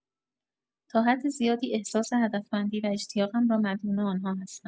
تا حد زیادی احساس هدفمندی و اشتیاقم را مدیون آن‌ها هستم.